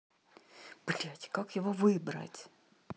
блядь как его выбрать